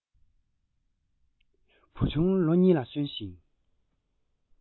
བུ ཆུང ལོ གཉིས ལ སོན ཞིང